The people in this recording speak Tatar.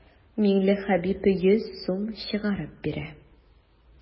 Миңлехәбиб йөз сум чыгарып бирә.